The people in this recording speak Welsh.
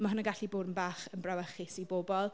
Ma' hynna'n gallu bod yn bach yn brawychus i bobl.